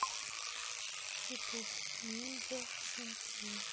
ютуб мега щенки